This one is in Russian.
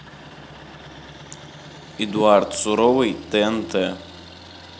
эдуард суровый тнт